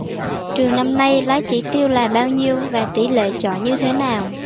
trường năm nay lấy chỉ tiêu là bao nhiêu và tỉ lệ chọi như thế nào